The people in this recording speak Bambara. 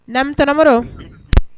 Namit